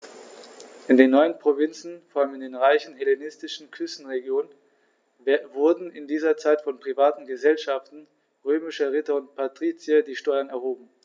In den neuen Provinzen, vor allem in den reichen hellenistischen Küstenregionen, wurden in dieser Zeit von privaten „Gesellschaften“ römischer Ritter und Patrizier die Steuern erhoben.